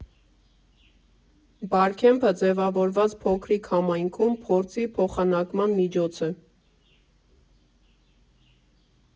Բարքեմփը ձևավորված փոքրիկ համայնքում փորձի փոխանակման միջոց է։